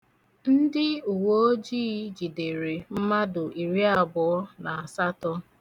Ndi uweojii jidere mmadụ iriabụọ na asatọ.